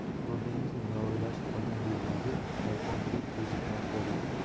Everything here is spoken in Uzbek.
ko'rdingizmi yovvoyilashib qolgan dedi yigit qayiqni burib tezlikni oshirar ekan